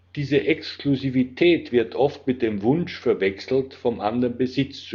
Diese Exklusivität wird oft mit dem Wunsch verwechselt, vom anderen Besitz